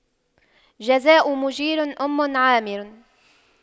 جزاء مُجيرِ أُمِّ عامِرٍ